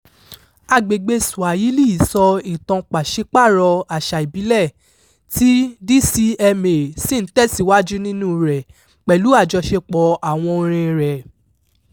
Agbègbèe Swahili sọ ìtàn pàṣípààrọ àṣà ìbílẹ̀ tí DCMA ṣì ń tẹ̀síwájú nínúu rẹ̀ pẹ̀lú àjọṣepọ̀ àwọn orin-in rẹ̀ .